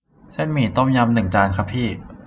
เส้นหมี่ต้มยำหนึ่งจานครับพี่